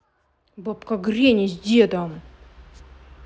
бабка гренни с дедом